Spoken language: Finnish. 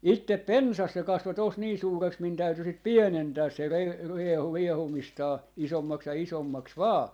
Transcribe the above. itse pensas se kasvoi tuossa niin suureksi minun täytyi sitten pienentää se - riehui riehumistaan isommaksi ja isommaksi vain